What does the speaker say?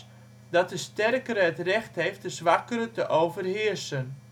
sterkere het recht heeft de zwakkere te overheersen